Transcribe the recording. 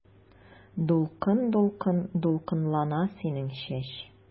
Дулкын-дулкын дулкынлана синең чәч.